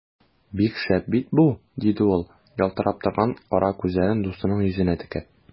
Бик шәп бит бу! - диде ул, ялтырап торган кара күзләрен дустының йөзенә текәп.